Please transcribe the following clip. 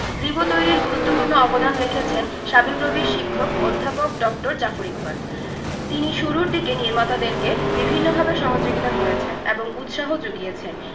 রিবো তৈরিতে গুরুত্বপূর্ণ অবদান রেখেছেন শাবিপ্রবির শিক্ষক অধ্যাপক ড জাফর ইকবাল তিনি শুরুর দিকে নির্মাতাদেরকে বিভিন্নভাবে সহযোগিতা করেছেন এবং উৎসাহ যুগিয়েছেন